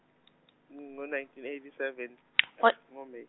ngo- nineteen eighty seven ngo- May.